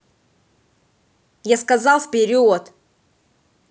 я сказала вперед